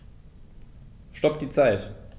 Stopp die Zeit